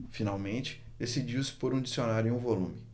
finalmente decidiu-se por um dicionário em um volume